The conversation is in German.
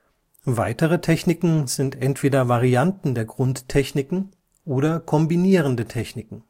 Weitere Techniken sind entweder Varianten der Grundtechniken oder kombinierende Techniken